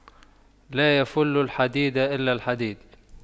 لا يَفُلُّ الحديد إلا الحديد